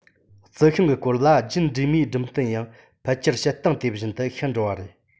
རྩི ཤིང གི སྐོར ལ རྒྱུད འདྲེས མའི སྦྲུམ རྟེན ཡང ཕལ ཆེར བྱེད སྟངས དེ བཞིན དུ ཤི འགྲོ བ རེད